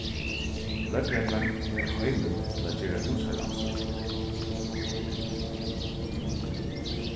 løgreglan fekk heimild til at gera húsarannsókn